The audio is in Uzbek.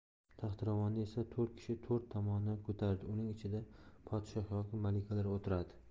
taxtiravonni esa to'rt kishi to'rt tomonidan ko'taradi uning ichida podshoh yoki malikalar o'tiradi